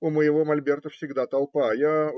У моего мольберта всегда толпа я